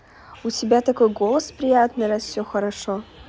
у тебя такой голос приятный раз все хорошо